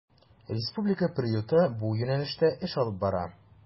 Республика приюты бу юнәлештә эш алып бара.